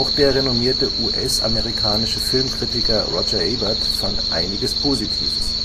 der renommierte US-amerikanische Filmkritiker Roger Ebert fand einiges Positives